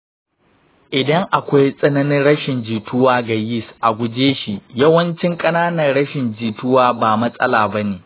idan akwai tsananin rashin jituwa ga yis, a guje shi. yawancin ƙananan rashin jituwa ba matsala ba ne.